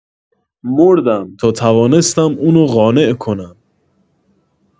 مردم تا توانستم اونو قانع کنم